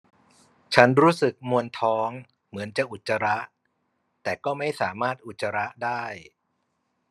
ฉันรู้สึกมวนท้องเหมือนจะอุจจาระแต่ก็ไม่สามารถอุจจาระได้